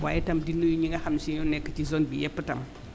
waaye itam di nuyu ñi nga xam si ñoo nekk ci zone bi yëpp itam